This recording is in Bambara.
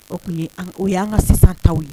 O tun ye o ye an ka sisan taw ye